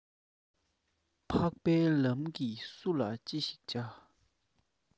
འཕགས པའི ལམ གྱིས སུ ལ ཅི ཞིག བྱ